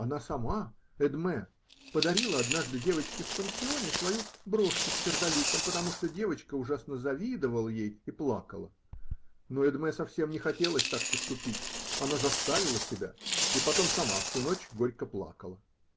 Она сама, Эдмэ, подарила однажды девочке в пансионе свою брошку с сердоликом, потому что девочка ужасно завидовала ей и плакала, но Эдмэ совсем не хотелось так поступить, она заставила себя и потом сама всю ночь горько плакала.